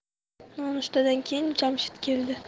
nonushtadan keyin jamshid keldi